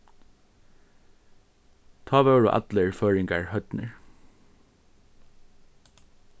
tá vóru allir føroyingar heidnir